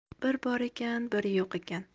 bir bor ekan bir yo'q ekan